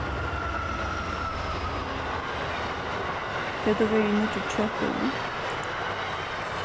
hevur tú verið í nýggju kjøtbúðini